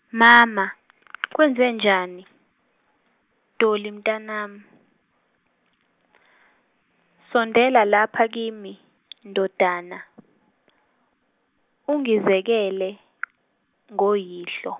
mama , kwenzenjani Dolly mntanami, sondela lapha kimi ndodana, ungizekele ngoyihlo.